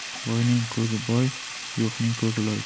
boyning ko'zi boy yo'qning ko'zi loy